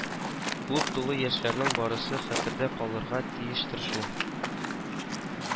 Клуб тулы яшьләрнең барысы хәтердә калырга тиештер шул